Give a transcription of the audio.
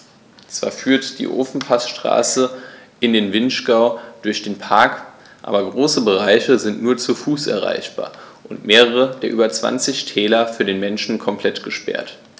Zwar führt die Ofenpassstraße in den Vinschgau durch den Park, aber große Bereiche sind nur zu Fuß erreichbar und mehrere der über 20 Täler für den Menschen komplett gesperrt.